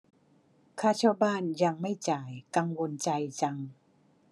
ค่าเช่าบ้านยังไม่จ่ายกังวลใจจัง